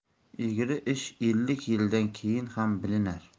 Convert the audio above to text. egri ish ellik yildan keyin ham bilinar